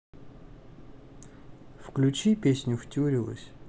включи песню втюрилась